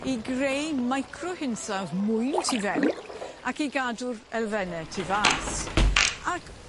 i greu micro hinsadd mwyn tu fewn ac i gadw'r elfenne tu fas ac